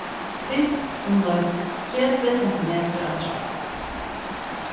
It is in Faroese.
klipp umleið tretivu sentimetrar av tráði